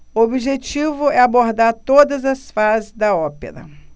o objetivo é abordar todas as fases da ópera